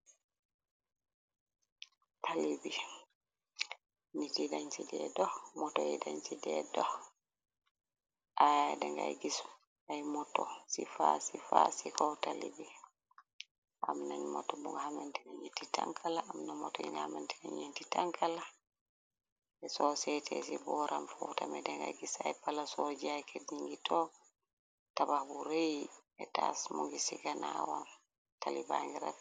Tali bi nit yi dañ ci dee dox moto yi dañ ci dee dox, aya dengay gis ay moto ci faa si faa si kaw tali bi. Am nañ moto bu nga xamentene nyeti tankala amna moto yi nga xamentene nyenti tankala, te soo seete ci booram fou tamit dengay gis ay palasoor jayket yi ngi toog. Tabax bu rëy etaas mo ngi ci ganaawam, taliba ngi rafet.